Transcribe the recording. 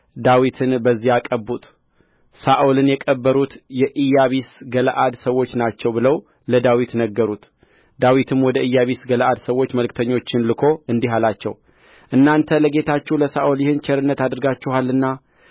ዳዊትን በዚያ ቀቡት ሳኦልን የቀበሩት የኢያቢስ ገለዓድ ሰዎች ናቸው ብለው ለዳዊት ነገሩት ዳዊትም ወደ ኢያቢስ ገለዓድ ሰዎች መልእክተኞችን ልኮ እንዲህ አላቸው እናንተ ለጌታችሁ ለሳኦል ይህን ቸርነት አድርጋችኋልና